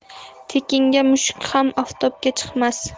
tekinga mushuk ham oftobga chiqmas